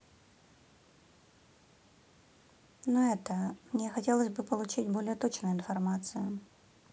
ну это мне хотелось бы получить более точную информацию